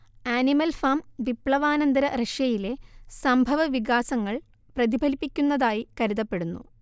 animal Farm വിപ്ലവാനന്തര റഷ്യയിലെ സംഭവവികാസങ്ങൾ പ്രതിഫലിപ്പിക്കുന്നതായി കരുതപ്പെടുന്നു